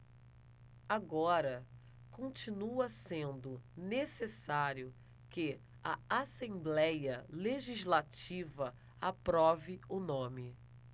agora continua sendo necessário que a assembléia legislativa aprove o nome